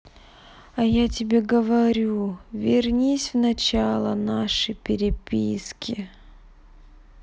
а я тебе говорю вернись в начало наши переписки